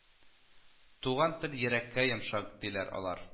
Туган тел йөрәккә йомшак , диләр алар